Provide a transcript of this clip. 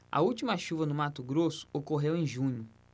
a última chuva no mato grosso ocorreu em junho